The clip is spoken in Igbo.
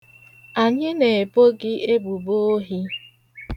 Anyị na-ebo gị ebubo ohi.